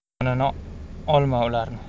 yonini olma ularni